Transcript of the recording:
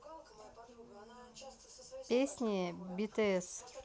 песни bts